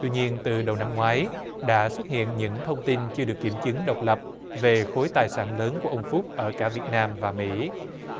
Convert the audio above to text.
tuy nhiên từ đầu năm ngoái đã xuất hiện những thông tin chưa được kiểm chứng độc lập về khối tài sản lớn của ông phúc ở cả việt nam và mỹ